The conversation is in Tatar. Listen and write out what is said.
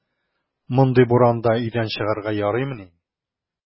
Мондый буранда өйдән чыгарга ярыймыни!